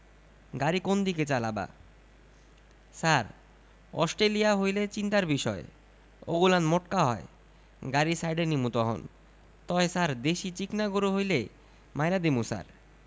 গাড়ি কোনদিকে চালাবা ছার অশটেলিয়া হইলে চিন্তার বিষয় ওগুলান মোটকা হয় গাড়ি সাইডে নিমু তহন তয় ছার দেশি চিকনা গরু হইলে মাইরা দিমু ছার